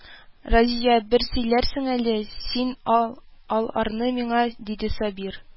Разия, бер сөйләрсең әле син ал арны миңа, диде Сабир